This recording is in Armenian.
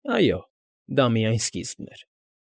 Այո, դա միայն սկիզբն էր։